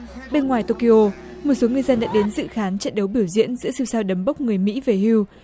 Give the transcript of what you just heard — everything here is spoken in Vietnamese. bên ngoài tô ki ô một số người dân đã đến dự khán trận đấu biểu diễn giữa siêu sao đấm bốc người mỹ về hưu